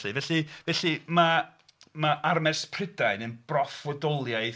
Felly... felly... felly mae... mae Armes Prydein yn broffwydoliaeth...